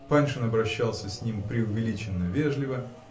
Паншин обращался с ним преувеличенно вежливо